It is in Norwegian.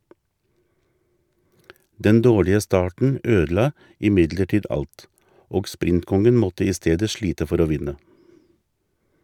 Den dårlige starten ødela imidlertid alt, og sprintkongen måtte i stedet slite for å vinne.